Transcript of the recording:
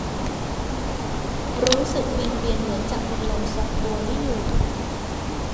รู้สึกวิงเวียนเหมือนจะเป็นลมทรงตัวไม่อยู่